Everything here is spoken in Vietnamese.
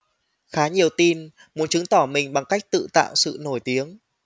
khá nhiều teen muốn chứng tỏ mình bằng cách tự tạo sự nổi tiếng